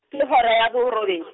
ke hora ya borobedi.